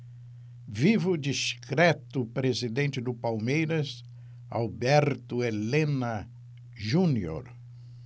viva o discreto presidente do palmeiras alberto helena junior